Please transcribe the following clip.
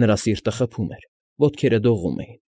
Նրա սիրտը խփում էր, ոտքերը դողում էին։